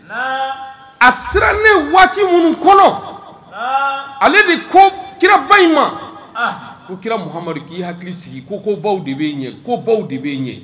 A sera ni waati minnu kɔnɔ ale de ko kiraba in ma ko kira muhamadu k'i hakili sigi ko ko baw de b'i ɲɛ ko baw de b bɛi ɲɛ